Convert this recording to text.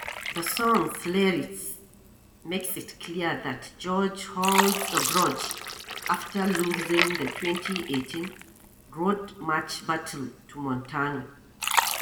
The song's lyrics makes it clear that George holds a grudge after losing the 2018 Road March battle to Montano.